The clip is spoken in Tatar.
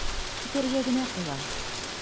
Көтәргә генә кала.